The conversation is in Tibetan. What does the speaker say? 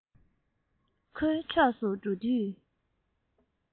ཁོའི ཕྱོགས སུ འགྲོ དུས